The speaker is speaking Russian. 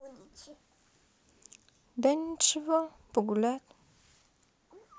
да ничего погулять